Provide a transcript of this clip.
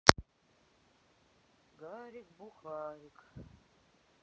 гарик бухарик